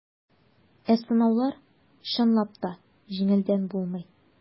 Ә сынаулар, чынлап та, җиңелдән булмый.